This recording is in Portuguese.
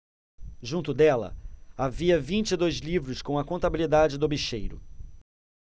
junto dela havia vinte e dois livros com a contabilidade do bicheiro